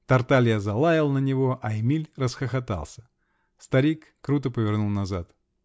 Тарталья залаял на него, а Эмиль расхохотался. Старик круто повернул назад.